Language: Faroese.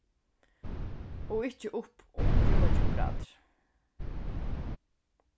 og ikki upp um fimmogtjúgu gradir